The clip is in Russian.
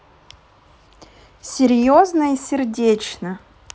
серьезно и сердечно